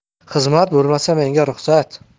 xizmat bo'lmasa menga ruhsat